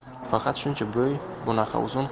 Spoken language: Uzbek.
faqat shuncha bo'y bunaqa uzun